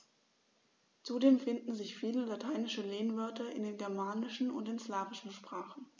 Zudem finden sich viele lateinische Lehnwörter in den germanischen und den slawischen Sprachen.